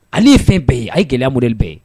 Ale ye fɛn bɛɛ ye . A ye gɛlɛya modèle bɛɛ ye.